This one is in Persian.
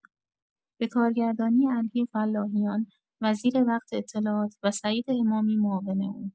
به کارگردانی علی فلاحیان وزیر وقت اطلاعات و سعید امامی معاون او